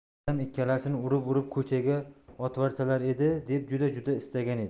dadam ikkalasini urib urib ko'chaga otvorsalar edi deb juda juda istagan edi